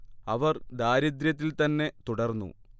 അവർ ദാരിദ്ര്യത്തിൽ തന്നെ തുടർന്നു